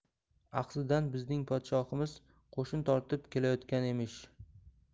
axsidan bizning podshomiz qo'shin tortib kelayotgan emish